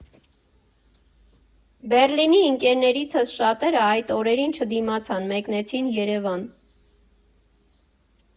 Բեռլինի ընկերներիցս շատերը այդ օրերին չդիմացան, մեկնեցին Երևան։